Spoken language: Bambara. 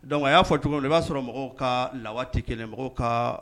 Donc a y'a fɔ cogo min, i b'a sɔrɔ mɔgɔw ka lawa tɛ kelen ye , mɔgɔw ka